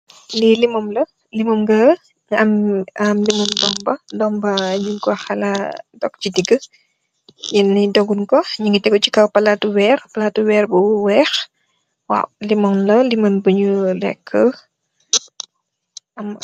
Lee lemong la, lemong ga ga am eh lemong dome ba dome ba nug ku halah doke se dege yenye dogun ku nuge tegu se kaw palate werr palate werr bu weehe waw lemong la lemong bonu leke.